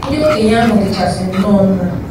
MKH: Ndị okenye ahụ dịchasi nnọọ mma.